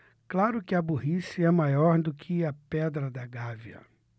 claro que a burrice é maior do que a pedra da gávea